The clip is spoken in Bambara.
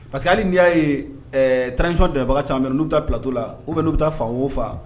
Parce que hali di y'a ye tcɔn debaga caman n'u taa kito la u bɛ n' bɛ taa faga wo faga